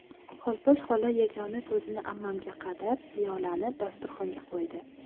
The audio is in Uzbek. xolposh xola yagona ko'zini ammamga qadab piyolani dasturxonga qo'ydi